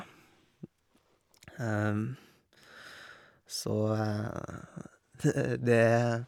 Så det...